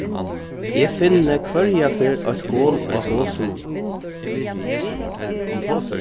eg finni hvørja ferð eitt hol á hosunum